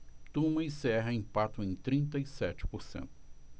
tuma e serra empatam em trinta e sete por cento